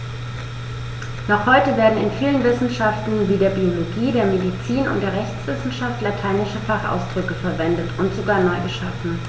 Noch heute werden in vielen Wissenschaften wie der Biologie, der Medizin und der Rechtswissenschaft lateinische Fachausdrücke verwendet und sogar neu geschaffen.